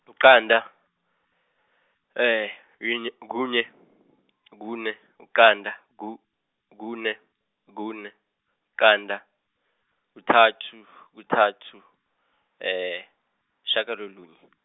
yiqanda, yinye kunye, kune, yiqanda, ku- kune, kune, qanda, kuthathu, kuthathu, shagalolunye.